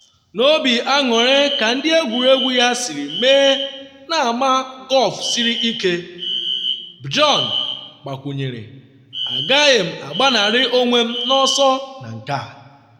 N’obi anụrị ka ndị egwuregwu ya siri mee na ama gọlfụ siri ike, Bjorn gbakwunyere: “Agaghị m agbanarị onwe m n’ọsọ na nke a.